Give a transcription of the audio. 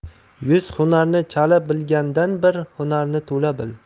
yuz hunarni chala bilgandan bir hunarni to'la bil